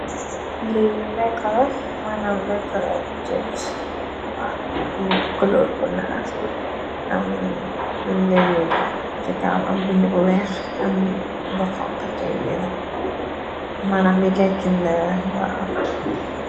li lekka, manah lekka chips. am curol bu naar , c kanam am bindi bu weex am lu xonxo c biram. manah lii lekin la waw.